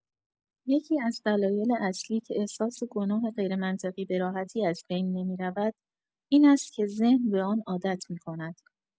یکی‌از دلایل اصلی که احساس گناه غیرمنطقی به‌راحتی از بین نمی‌رود، این است که ذهن به آن عادت می‌کند.